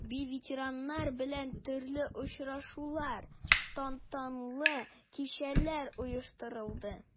Хәрби ветераннар белән төрле очрашулар, тантаналы кичәләр оештырылды.